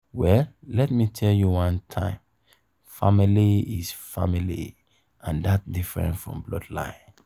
Well, let me tell you one time, famalay is famalay and that different from bloodline